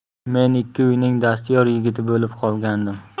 men ikki uyning dastyor yigiti bo'lib qolgandim